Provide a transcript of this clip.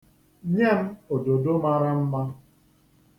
Nye m òdòdo mara mma.